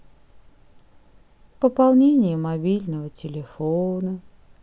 пополнение мобильного телефона